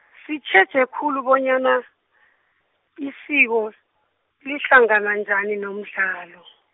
sitjheje khulu bonyana, isiko, lihlangana njani nomdlalo.